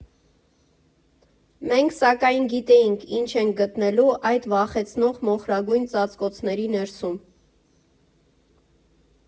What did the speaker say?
Մենք, սակայն, գիտեինք՝ ինչ ենք գտնելու այդ վախեցնող մոխրագույն ծածկոցների ներսում…